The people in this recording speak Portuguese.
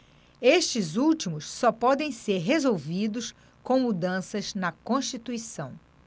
estes últimos só podem ser resolvidos com mudanças na constituição